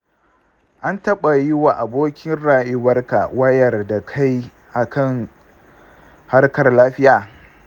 an taba yi wa abokin rayuwarka wayar da kai akan harkar lafiya?